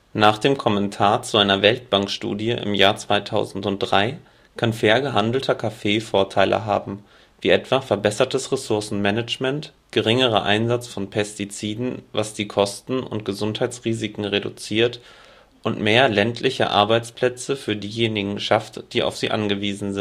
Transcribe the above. Nach dem Kommentar zu einer Weltbankstudie im Jahr 2003 kann fair gehandelter Kaffee Vorteile haben, wie etwa verbessertes Ressourcenmanagement, geringerer Einsatz von Pestiziden was die Kosten und Gesundheitsrisiken reduziert und mehr ländliche Arbeitsplätze, für diejenigen schafft, die auf sie angewiesen